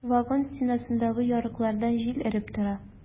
Вагон стенасындагы ярыклардан җил өреп тора.